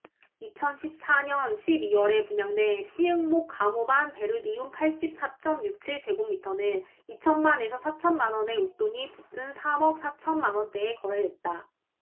이천 십 사 년 십 이 월에 분양된 시흥목감호반베르디움 팔십 사 쩜 육 칠 제곱미터는 이천 만 에서 사천 만원의 웃돈이 붙은 삼 억 사천 만원대에 거래됐다